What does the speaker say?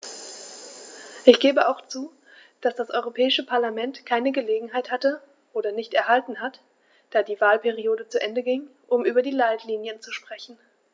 Ich gebe auch zu, dass das Europäische Parlament keine Gelegenheit hatte - oder nicht erhalten hat, da die Wahlperiode zu Ende ging -, um über die Leitlinien zu sprechen.